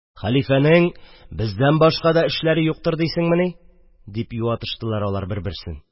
Хәлифәнең бездән башка да эшләре юктыр дисеңмени! – дип юатыштылар алар бер-берсен.